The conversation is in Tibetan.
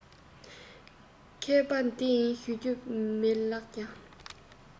མཁས པ འདི ཡིན ཞུ རྒྱུ མེད ལགས ཀྱང